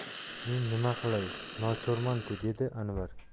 men nima qilay nochorman ku dedi anvar